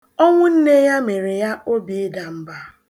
Ọnwụ nne ya mere ya obiịdamba